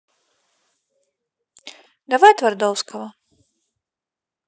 давай твардовского